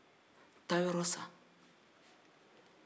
taa y ɔrɔ san